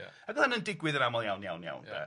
ac oedd hynny'n digwydd yn aml iawn iawn iawn de... Ia.